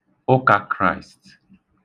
Ụkākraị̀st